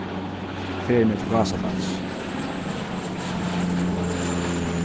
ferðin er til gásadals